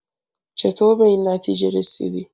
چطور به این نتیجه رسیدی؟